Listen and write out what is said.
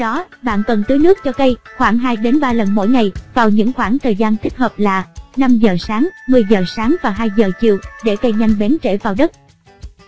sau đó bạn cần tưới nước cho cây khoảng lần ngày vào những khoảng thời gian thích hợp là giờ sáng giờ sáng và giờ chiều để cây nhanh bén rễ vào đất